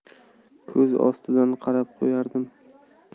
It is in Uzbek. ko'z ostidan qarab qo'yardim